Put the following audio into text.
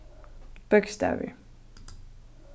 bókstavir